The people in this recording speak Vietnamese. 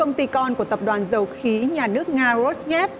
công ty con của tập đoàn dầu khí nhà nước nga rót ngét